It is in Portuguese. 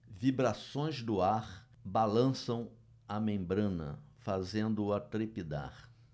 vibrações do ar balançam a membrana fazendo-a trepidar